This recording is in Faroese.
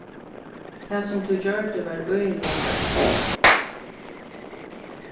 tað sum tú gjørdi var øgiliga djarvt